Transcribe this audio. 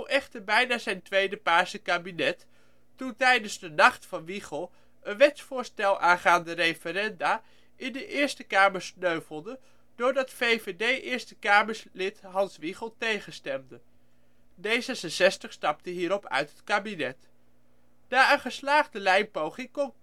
echter bijna zijn tweede Paarse kabinet, toen tijdens de Nacht van Wiegel een wetsvoorstel aangaande referenda in de Eerste Kamer sneuvelde doordat VVD Eerste Kamerlid Hans Wiegel tegenstemde. D66 stapte hierop uit het kabinet. Na een geslaagde lijmpoging kon